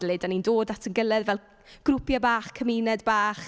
Le dan ni'n dod at ein gilydd fel grwpiau bach, cymuned bach.